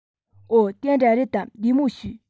འོ དེ འདྲ རེད དམ བདེ མོ བྱོས